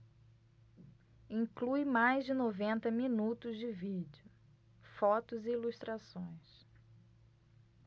inclui mais de noventa minutos de vídeo fotos e ilustrações